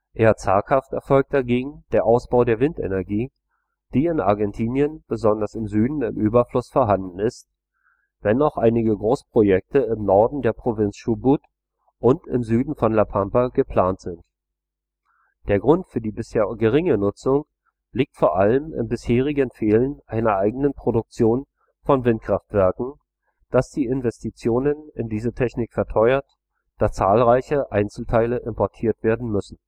Eher zaghaft erfolgt dagegen der Ausbau der Windenergie, die in Argentinien besonders im Süden im Überfluss vorhanden ist, wenn auch einige Großprojekte im Norden der Provinz Chubut und im Süden von La Pampa geplant sind. Der Grund für die bisher geringe Nutzung liegt vor allem im bisherigen Fehlen einer eigenen Produktion von Windkraftwerken, das die Investitionen in diese Technik verteuert, da zahlreiche Einzelteile importiert werden müssen